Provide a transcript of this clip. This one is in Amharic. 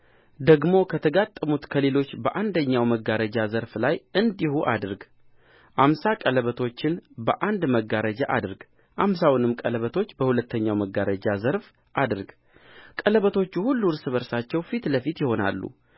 ደግሞ ከተጋጠሙት ከሌሎች በአንደኛው መጋረጃ ዘርፍ ላይ እንዲሁ አድርግ አምሳ ቀለበቶችን በአንድ መጋረጃ አድርግ አምሳውንም ቀለበቶች በሁለተኛው መጋረጃ ዘርፍ አድርግ ቀለበቶቹ ሁሉ እርስ በርሳቸው ፊት ለፊት ይሆናሉ